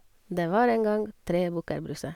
Det var en gang tre bukker Bruse.